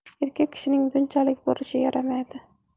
erkak kishining bunchalik bo'lishi yaramaydi